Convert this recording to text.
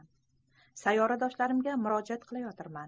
sayyoradoshlarimga murojaat qilayotirman